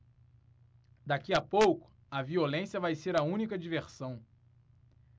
daqui a pouco a violência vai ser a única diversão